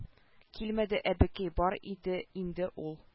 Килмәде әбекәй бар иде инде ул